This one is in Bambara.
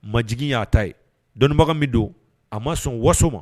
Maj y'a ta ye dɔnniibaga bɛ don a ma sɔn waso ma